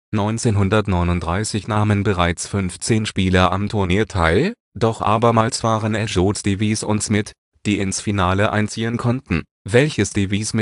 1939 nahmen bereits 15 Spieler am Turnier teil, doch abermals waren es Joe Davis und Smith, die ins Finale einziehen konnten, welches Davis mit